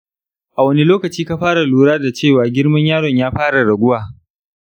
a wani lokaci ka fara lura da cewa girman yaron ya fara raguwa?